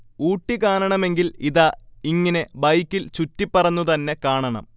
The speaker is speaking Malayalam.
ഊട്ടി കാണണമെങ്കിൽ ഇതാ, ഇങ്ങിനെ ബൈക്കിൽ ചുറ്റിപ്പറന്നു തന്നെ കാണണം